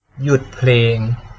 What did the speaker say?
หยุดเพลง